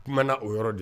Kumaumana na o yɔrɔ de